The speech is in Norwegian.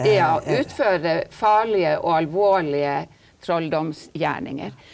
ja, å utføre farlige og alvorlige trolldomsgjerninger.